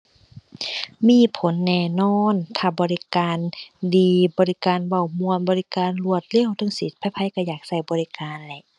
มีผลแน่นอนถ้าบริการดี บริการเว้าม่วน บริการรวดเร็วจั่งซี้ ไผไผก็อยากก็บริการแหละ